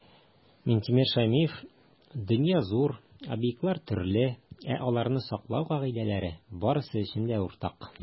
Минтимер Шәймиев: "Дөнья - зур, объектлар - төрле, ә аларны саклау кагыйдәләре - барысы өчен дә уртак".